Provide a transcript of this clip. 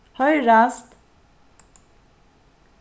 hoyrast